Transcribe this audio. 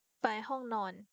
ไปห้องนอน